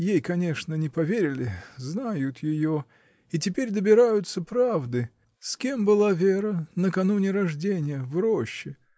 Ей, конечно, не поверили — знают ее — и теперь добираются правды, с кем была Вера, накануне рождения, в роще.